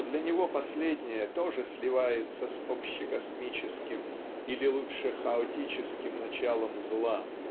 что для него последняя тоже сливается с общекосмическим или лучше хаотическим началом зла.